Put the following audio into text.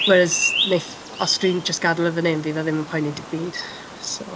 Whereas, wneith, os dwi'n jyst gadael o fan hyn, fydd e ddim yn poeni dim byd. So...